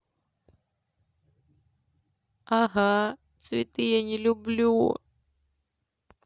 ага цветы я не люблю